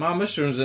Mae mushrooms yn...